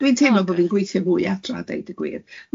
Dwi'n teimlo bo fi'n gweithio fwy adra, deud y gwir.